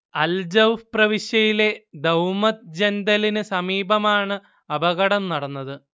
Al Jouf പ്രവിശ്യയിലെ Dumat ജൻദലിന് സമീപമാണ് അപകടം നടന്നത്